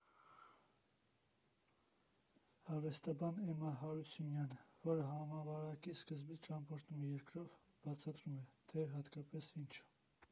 Արվեստաբան Էմմա Հարությունյանը, որը համավարակի սկզբից ճամփորդում է երկրով, բացատրում է, թե հատկապես ինչու։